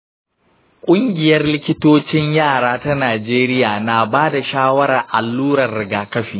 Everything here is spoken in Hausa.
ƙungiyar likitocin yara ta najeriya na ba da shawarar alluran rigakafi.